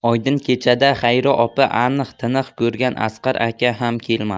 oydin kechada xayri opa aniq tiniq ko'rgan asqar aka ham kelmadi